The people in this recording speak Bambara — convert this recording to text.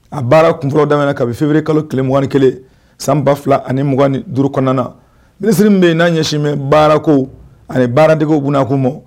A baara kun daminɛ ka bɛ fiwuere kalo tile muganɔni kelen san ba fila ani m duuru kɔnɔna na nisiriri bɛ n'a ɲɛsinmɛ baarako ani baaratigiw bɛ a kuma ma